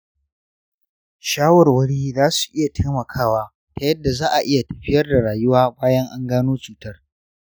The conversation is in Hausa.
shawarwari zasu iya taimakawa ta yadda za'a iya tafiyar da rayuwa bayan an gano cutar.